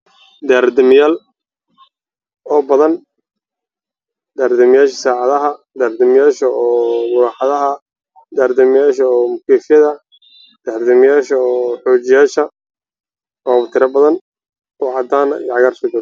Meeshaan waa meel wax lagu muuqdo daawooyin nooc kala duwan una badan caddays